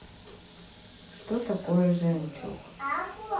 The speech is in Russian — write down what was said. что такое жемчуг